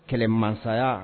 Kɛlɛmasaya